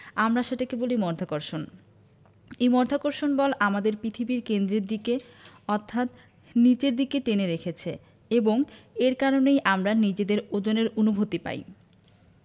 আমরা সেটাকে বলি মধ্যাকর্ষণ এই মধ্যাকর্ষণ বল আমাদের পৃথিবীর কেন্দ্রের দিকে অর্থাৎ নিচের দিকে টেনে রেখেছে এবং এর কারণেই আমরা নিজেদের ওজনের অনুভূতি পাই